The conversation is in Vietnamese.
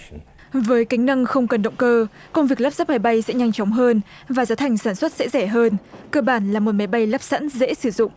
với cánh nâng không cần động cơ công việc lắp ráp máy bay sẽ nhanh chóng hơn và giá thành sản xuất sẽ rẻ hơn cơ bản là một máy bay lắp sẵn dễ sử dụng